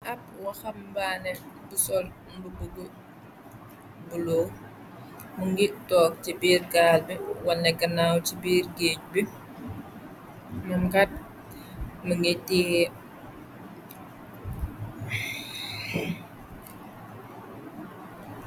Ab wa fambaane bu sol mbu budd bulow mu ngi toog ci biir gaal bi walne ganaaw ci biir géej bi nt mi ngiy tiee.